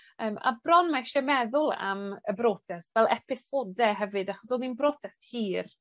Yym a bron ma' isie meddwl am y brotest fel episode hefyd achos odd 'i'n brotest hir